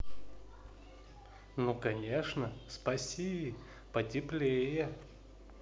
ну конечно спаси потеплее